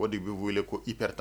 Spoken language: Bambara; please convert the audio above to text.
O de b bɛi wele ko ipɛta